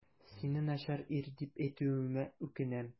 Сине начар ир дип әйтүемә үкенәм.